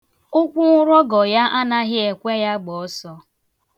Ụkwụnrọgọ ya anaghị ekwe ya gbaa ọsọ.